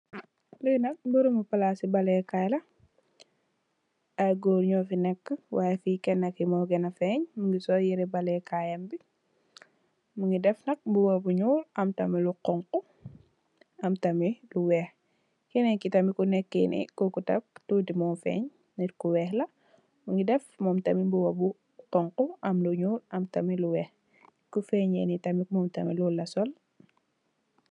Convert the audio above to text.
Lee nak meremu plase balekaye la aye goor nufe neke way fee kenake mu gena feng muge sol yere balekayam be muge def nak muba bu nuul am tamin lu xonxo am tamin lu weex kenen ke tamin kuneke ne koku tak tuti mu feng neet ku weex la muge def mum tamin muba bu xonxo am lu nuul am tamin lu weex ku fenye ne tamin mum tamin lol la sol.